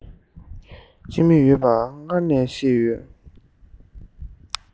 ལྕི མོ ཡོད པ སྔར ནས ཤེས ཡོད